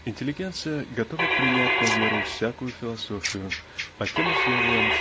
Интеллигенция готова принять на веру всякую философию под тем условием